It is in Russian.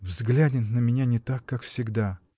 взглянет на меня не так, как всегда.